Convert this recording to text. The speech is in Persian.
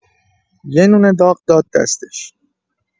یه نون داغ داد دستش.